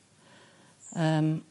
Yym.